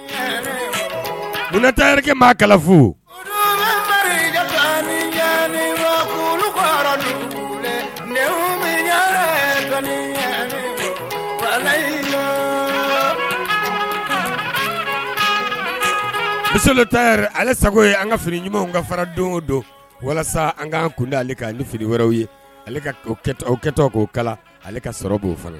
Tari maa fo selen ale sago ye an ka fini ɲumanw ka fara don o don walasa an ka kanan kunda ale ka ni fili wɛrɛw ye ale kɛta k'o kala ale ka sɔrɔ k'o falen